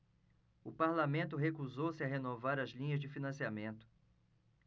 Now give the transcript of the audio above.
o parlamento recusou-se a renovar as linhas de financiamento